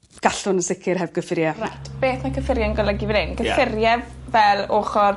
Gallwn yn sicir heb gyffuria. Reit beth ma' cyffurie'n golygu fan 'yn... Ie. ... cyffurie fel ochor